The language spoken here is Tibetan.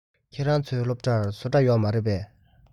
ཁྱོད རང ཚོའི སློབ གྲྭར བཟོ གྲྭ ཡོད རེད པས